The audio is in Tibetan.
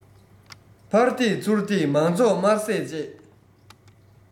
ཕར དེད ཚུར དེད མང ཚོགས དམར ཟས བཅད